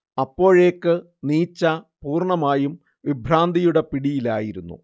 അപ്പോഴേക്ക് നീച്ച പൂർണ്ണമായും വിഭ്രാന്തിയുടെ പിടിയിലായിരുന്നു